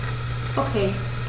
Okay.